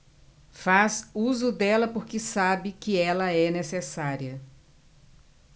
faz uso dela porque sabe que ela é necessária